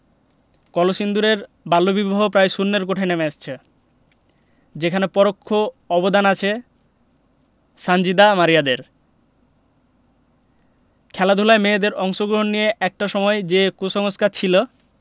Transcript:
কলসিন্দুরে বাল্যবিবাহ প্রায় শূন্যের কোঠায় নেমে এসেছে সেখানেও পরোক্ষ অবদান আছে সানজিদা মারিয়াদের খেলাধুলায় মেয়েদের অংশগ্রহণ নিয়ে একটা সময় যে কুসংস্কার ছিল